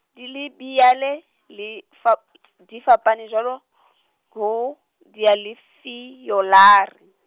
dilebiyale le fap- , di fapane jwalo , ho, dialefiyolare.